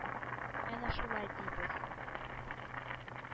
Әнә шулай дибез.